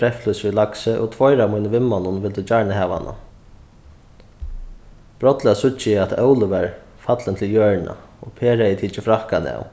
breyðflís við laksi og tveir av mínum vinmonnum vildu gjarna hava hana brádliga síggi eg at óli var fallin til jørðina og per hevði tikið frakkan av